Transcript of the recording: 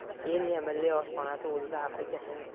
keniya milliy oshxonasi o'zida afrika hindiston